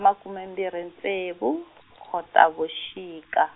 makume mbirhi ntsevu, Khotavuxika.